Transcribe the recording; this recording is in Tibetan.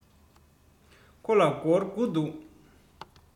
ཁོ ལ སྒོར དགུ འདུག